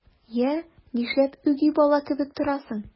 Йә, нишләп үги бала кебек торасың?